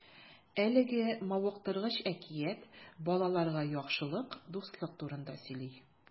Әлеге мавыктыргыч әкият балаларга яхшылык, дуслык турында сөйли.